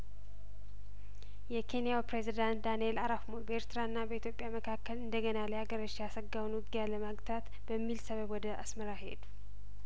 የኬንያው ፕሬዝዳንት ዳንኤል አራፕሞይ በኤርትራና በኢትዮጵያ መካከል እንደገና ሊያገረሽ ያሰጋውን ውጊያ ለመግታት በሚል ሰበብ ወደ አስመራ ሄዱ